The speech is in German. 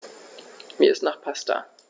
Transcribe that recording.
Mir ist nach Pasta.